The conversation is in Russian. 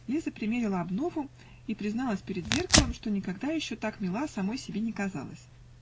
Лиза примерила обнову и призналась пред зеркалом, что никогда еще так мила самой себе не казалась.